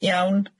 Iawn